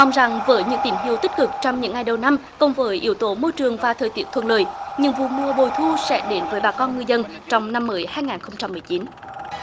mong rằng với những tín hiệu tích cực trong những ngày đầu năm cùng với yếu tố môi trường và thời tiết thuận lợi những vụ mùa bội thu sẽ đến với bà con ngư dân trong năm mới hai ngàn không trăm mười chín